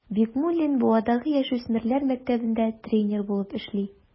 Бикмуллин Буадагы яшүсмерләр мәктәбендә тренер булып эшли.